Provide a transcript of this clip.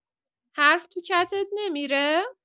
حرف تو کتت نمی‌ره؟